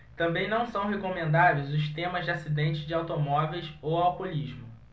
também não são recomendáveis os temas de acidentes de automóveis ou alcoolismo